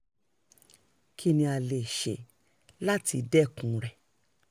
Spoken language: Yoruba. Kí ni a lè ṣe láti dẹ́kun rẹ̀?